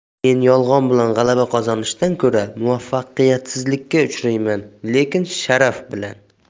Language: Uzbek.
men yolg'on bilan g'alaba qozonishdan ko'ra muvaffaqiyatsizlikka uchrayman lekin sharaf bilan